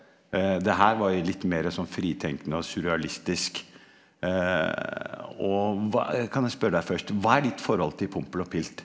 det her var jo litt mere sånn fritenkende og surrealistisk, og hva kan jeg spørre deg først, hva er ditt forhold til Pompel og Pilt?